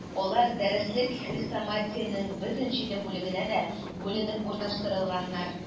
Алар дәреслек-хрестоматиянең бөтен җиде бүлегенә дә бүленеп урнаштырылганнар.